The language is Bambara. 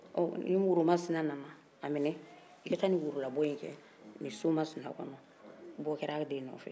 nin woro masina in minɛ i ka taa ni worolabɔ nin so masina in kɔnɔ bɔ kɛra a den nɔfɛ